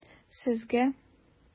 Сезгә?